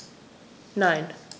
Nein.